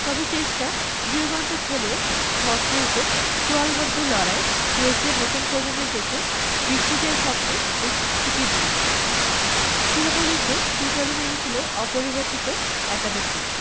তবে শেষটা বিয়োগান্তক হলেও মডরিচদের চোয়ালবদ্ধ লড়াই ক্রোয়েশিয়ার নতুন প্রজন্মের চোখে বিশ্বজয়ের স্বপ্নে বীজ ঠিকই বুনে দেবে শিরোপা যুদ্ধে দু দলই নেমেছিল অপরিবর্তিত একাদশ নিয়ে